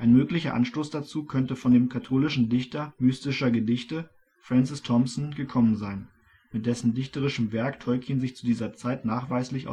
möglicher Anstoß dazu könnte von dem katholischen Dichter mystischer Gedichte, Francis Thompson, gekommen sein, mit dessen dichterischem Werk Tolkien sich zu dieser Zeit nachweislich